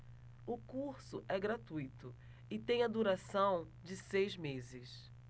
o curso é gratuito e tem a duração de seis meses